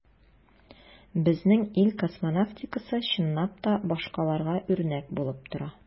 Безнең ил космонавтикасы, чынлап та, башкаларга үрнәк булып тора.